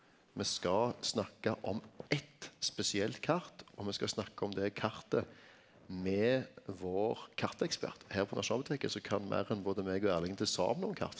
me skal snakka om eitt spesielt kart, og me skal snakka om det kartet med vår kartekspert her på Nasjonalbiblioteket som kan meir enn både meg og Erling til saman om kart.